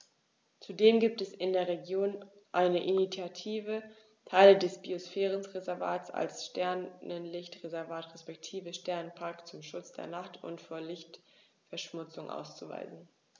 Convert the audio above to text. Zudem gibt es in der Region eine Initiative, Teile des Biosphärenreservats als Sternenlicht-Reservat respektive Sternenpark zum Schutz der Nacht und vor Lichtverschmutzung auszuweisen.